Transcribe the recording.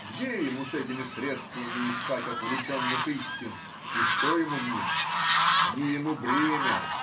Где ему с этими средствами искать отвлеченных истин, и что ему в них? Они ему бремя